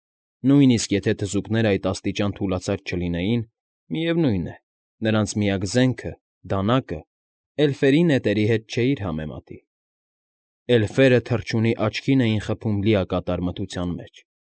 Նույնիսկ եթե թզուկները այդ աստիճան թուլացած չլինեին, միևնույն է, նրանց միակ զենքը՝ դանակը, էլֆերի նետերի հետ չէիր համեմատի. էլֆերը թռչունի աչքին էին խփում լիակատար մթության մեջ։